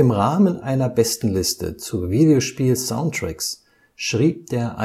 Rahmen einer Bestenliste zu Videospielsoundtracks schrieb der